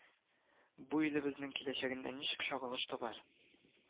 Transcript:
Бу илебезнең киләчәгендә ничек чагылыш табар